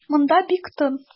Монда бик тын.